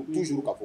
Toujours ka bɔ.